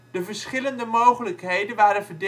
De verschillende mogelijkheden waren